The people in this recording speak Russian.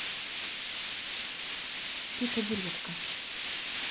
ты табуретка